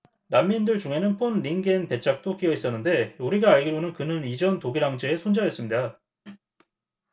난민들 중에는 폰 링겐 백작도 끼여 있었는데 우리가 알기로는 그는 이전 독일 황제의 손자였습니다